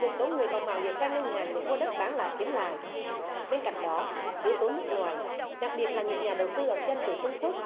một số người còn mạo hiểm vay ngân hàng để mua đất bán lại kiếm lời bên cạnh đó yếu tố nước ngoài đặc biệt là những nhà đầu tư ẩn danh từ trung quốc